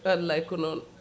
wallay ko noon